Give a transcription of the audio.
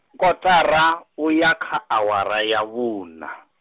kotara, u ya kha awara ya vhuna.